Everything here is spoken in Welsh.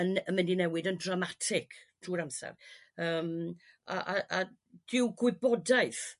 yn mynd i newid yn dramatig drw'r amser yrm a a a dyw gwybodaeth